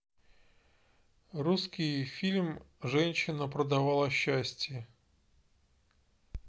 русский фильм женщина продавала счастье